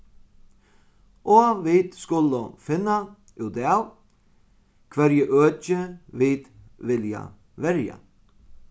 og vit skulu finna útav hvørji øki vit vilja verja